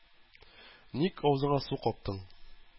Ник авызыңа су каптың?